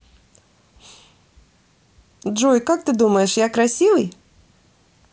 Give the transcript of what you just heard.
джой как ты думаешь я красивый